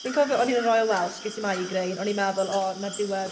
fi'n cofio o'n i yn y Royal Welsh ges i migraine o'n i'n meddwl o 'na diwedd